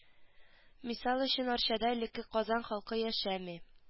Мисал өчен арчада элекке казан халкы яшәми